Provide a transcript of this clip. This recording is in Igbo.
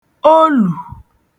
olù